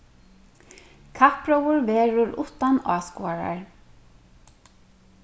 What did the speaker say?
kappróður verður uttan áskoðarar